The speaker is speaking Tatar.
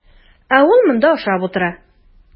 Ә ул монда ашап утыра.